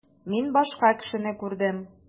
Мин башка кешене күрдем.